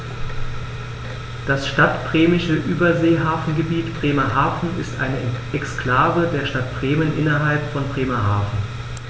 Das Stadtbremische Überseehafengebiet Bremerhaven ist eine Exklave der Stadt Bremen innerhalb von Bremerhaven.